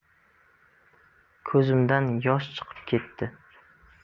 ko'zimdan yosh chiqib ketdi